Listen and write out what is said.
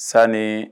Sani